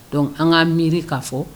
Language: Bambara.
Don an ka miiri k ka fɔ